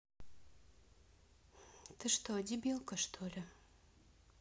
ты что дебилка что ли